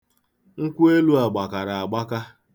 Nkwụelu a gbakara agbaka.